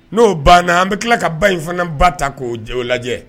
N'o banna an bɛ tila ka ba in fana ba ta k'o jɛ lajɛ